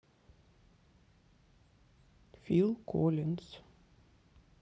фил коллинз